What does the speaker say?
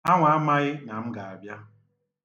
Hanwa amaghị na m ga-abịa.